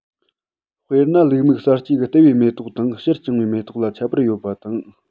དཔེར ན ལུག མིག གསར སྐྱེས ཀྱི ལྟེ བའི མེ ཏོག ཆུང ཆུང དང ཕྱིར བརྐྱངས པའི མེ ཏོག ལ ཁྱད པར ཡོད པ དང